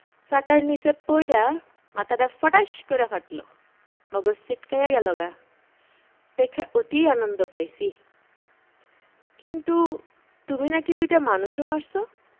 চাকার নিচে পইড়া মাথাডা ফটাস কইরা ফাটলো মগজ ছিটকায়া গেলোগা দেইখা অতি আনন্দ পাইছি কিন্তু তুমি নাকি দুইটা মানুষও মারছো